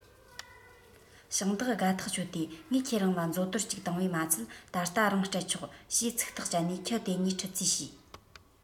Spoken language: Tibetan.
ཞིང བདག དགའ ཐག ཆོད དེ ངས ཁྱེད རང ལ མཛོ དོར གཅིག བཏང བས མ ཚད ད ལྟ རང སྤྲད ཆོག ཅེས ཚིག ཐག བཅད ནས ཁྱི དེ གཉིས ཁྲིད རྩིས བྱས